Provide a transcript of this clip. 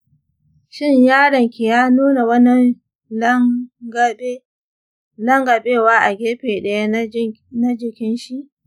shin yaron ki ya nuna wani langabe wa a gefe ɗaya na jikinshi?